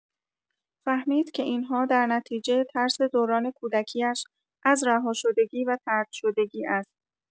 فهمید که این‌ها در نتیجه ترس دوران کودکی‌اش از رهاشدگی و طردشدگی است.